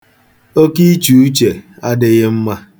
Oke iche uche adịghị mma.